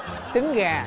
trứng gà